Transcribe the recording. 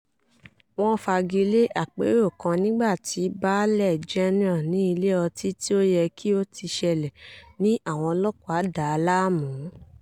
Wọ́n fagilé àpérò kan nígbà tí baálẹ̀ Janeer, ní ilé ọtí tí ó yẹ kí ó ti ṣẹlẹ̀, ní àwọn ọlọ́pàá dà láàmú.